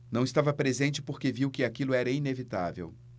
não estava presente porque viu que aquilo era inevitável